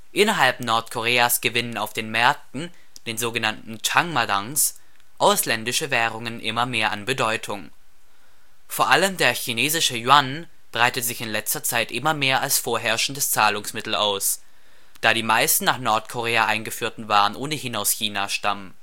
Innerhalb Nordkoreas gewinnen auf den Märkten (den so genannten Changmadangs) ausländische Währungen immer mehr an Bedeutung. Vor allem der Chinesische Yuan breitet sich in letzter Zeit immer mehr als vorherrschendes Zahlungsmittel aus, da die meisten nach Nordkorea eingeführten Waren ohnehin aus China stammen